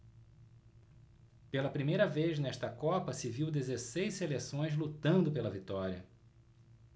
pela primeira vez nesta copa se viu dezesseis seleções lutando pela vitória